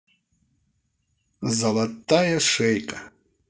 золотая шейка